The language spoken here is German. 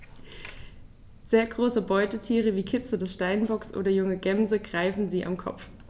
Sehr große Beutetiere wie Kitze des Steinbocks oder junge Gämsen greifen sie am Kopf.